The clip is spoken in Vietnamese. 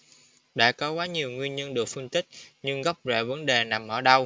đã có quá nhiều nguyên nhân được phân tích nhưng gốc rễ vấn đề nằm ở đâu